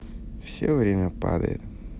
все время падает